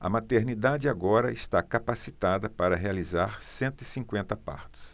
a maternidade agora está capacitada para realizar cento e cinquenta partos